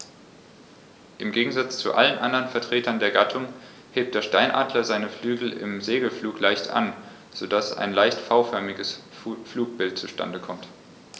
Im Gegensatz zu allen anderen Vertretern der Gattung hebt der Steinadler seine Flügel im Segelflug leicht an, so dass ein leicht V-förmiges Flugbild zustande kommt.